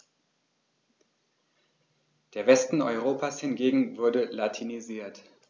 Der Westen Europas hingegen wurde latinisiert.